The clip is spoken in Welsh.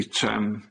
Eitem.